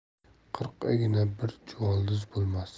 qirq igna bir juvoldiz bo'lmas